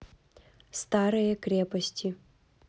старые крепости